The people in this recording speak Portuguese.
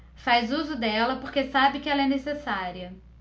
faz uso dela porque sabe que ela é necessária